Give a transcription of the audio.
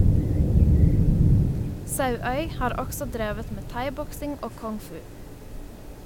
Sauøy har også drevet med thaiboksing og kung-fu.